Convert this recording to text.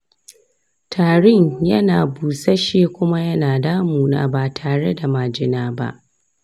tarin yana busasshe kuma yana damuna ba tare da majina ba.